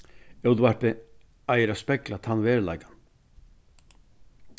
útvarpið eigur at spegla tann veruleikan